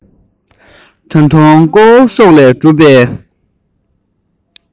ད དུང ཀོ བ སོགས ལས གྲུབ པའི